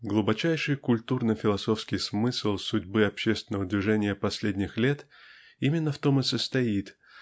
Глубочайший культурно-философский смысл судьбы общественного движения последних лет именно в том и состоит